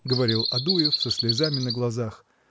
– говорил Адуев со слезами на глазах.